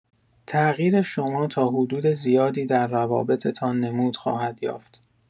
تغییر شما تا حدود زیادی در روابطتان نمود خواهد یافت.